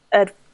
yr